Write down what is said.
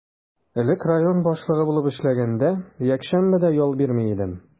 Элек район башлыгы булып эшләгәндә, якшәмбе дә ял бирми идем.